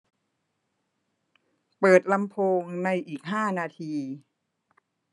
เปิดลำโพงในอีกห้านาที